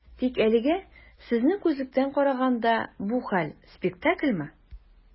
Тик әлегә, сезнең күзлектән караганда, бу хәл - спектакльмы?